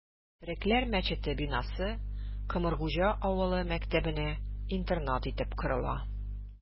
Төрекләр мәчете бинасы Комыргуҗа авылы мәктәбенә интернат итеп корыла...